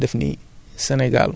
gàncax yépp a soxla phosphore